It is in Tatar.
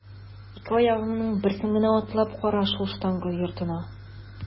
Ике аягыңның берсен генә атлап кара шул штанга йортына!